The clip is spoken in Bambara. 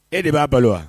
E de b'a balo wa?